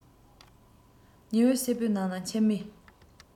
ཉི འོད སེར པོའི ནང ན མཆིལ མའི